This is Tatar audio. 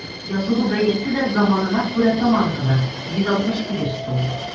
Язылу бәясе дә заманына күрә таман гына: 168 сум.